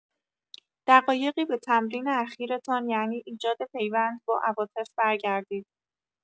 دقایقی به تمرین اخیرتان یعنی ایجاد پیوند با عواطف برگردید.